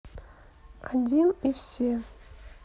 один и все